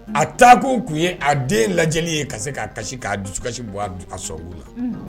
A takun tun ye a den lajɛli ye ka se k'a kasi k'a dusukasi bɔ a sɔnkun na. Unhun.